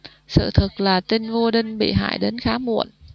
sự thực là tin vua đinh bị hại đến khá muộn